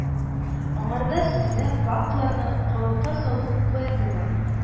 Аңарда сүзне, фактларны калыпка салу куәте бар